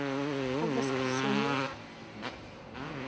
а в воскресенье